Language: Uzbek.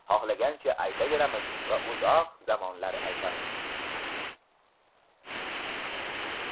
xohlagancha aytaveramiz va uzoq zamonlar aytamiz